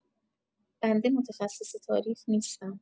بنده متخصص تاریخ نیستم.